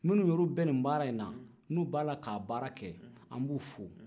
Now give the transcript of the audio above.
min nu yɛrɛ bɛ nin baara in na n'u b'a la ka baara kɛ an b'u fo